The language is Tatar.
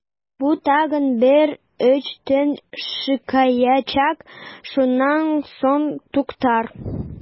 Бу тагын бер өч төн шакыячак, шуннан соң туктар!